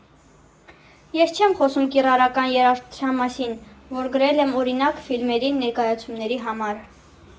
Ես չեմ խոսում կիրառական երաժշտության մասին, որ գրել եմ օրինակ՝ ֆիլմերի, ներկայացումների համար։